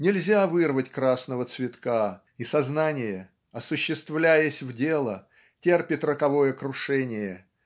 Нельзя вырвать красного цветка и сознание осуществляясь в дело терпит роковое крушение